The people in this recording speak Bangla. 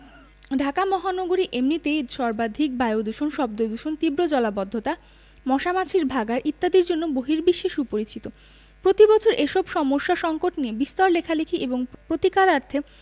ঢাকা মহানগরী এমনিতেই সর্বাধিক বায়ুদূষণ শব্দদূষণ তীব্র জলাবদ্ধতা মশা মাছির ভাঁগাড় ইত্যাদির জন্য বহির্বিশ্বে সুপরিচিত প্রতিবছর এসব সমস্যা সঙ্কট নিয়ে বিস্তর লেখালেখি এবং প্রতিকারার্থে